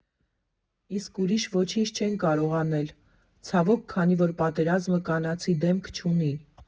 Իսկ ուրիշ ոչինչ չեն կարող անել, ցավոք, քանի որ պատերազմը կանացի դեմք չունի։